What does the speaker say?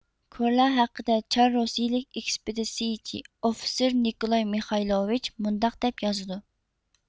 كورلا ھەققىدە چار رۇسىيىلىك ئېكسپېدىتسىيىچى ئوفىتسېر نىكولاي مېخايلوۋېچ مۇنداق دەپ يازىدۇ